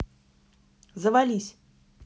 завались